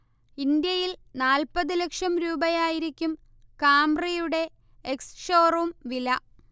ഇന്ത്യയിൽ നാൽപത് ലക്ഷം രൂപയായിരിക്കും കാംറിയുടെ എക്സ്ഷോറും വില